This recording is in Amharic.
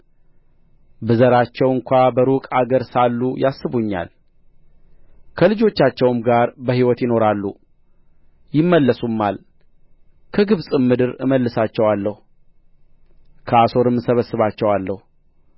ብዘራቸው እንኳ በሩቅ አገር ሳሉ ያስቡኛል ከልጆቻቸውም ጋር በሕይወት ይኖራሉ ይመለሱማል ከግብጽም ምድር እመልሳቸዋለሁ ከአሦርም እሰበስባቸዋለሁ